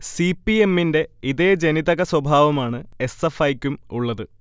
C. P. എമ്മിന്റെ ഇതേ ജനിതക സ്വഭാവമാണ് എസ്. എഫ്. ഐക്കും ഉള്ളത്